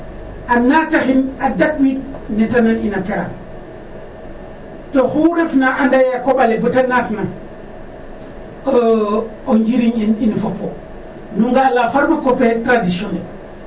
a naatahin a dakwiid ne ta nand'ina perand to oxu refna anda yee a koƥ ale bata naatna o njiriñ in, in fop o nu nga'aa fa pharme cope traditionnel.